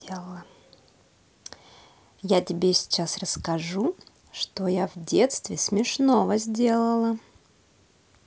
я тебе сейчас расскажу что я в детстве смешного сделала